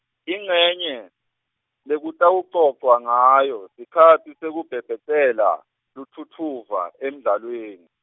incenye, lekutawucocwa ngayo, sikhatsi sekubhebhetela, lutfutfuva, emdlalweni.